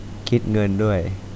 คิดเงินด้วย